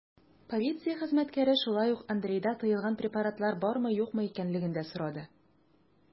Полиция хезмәткәре шулай ук Андрейда тыелган препаратлар бармы-юкмы икәнлеген дә сорады.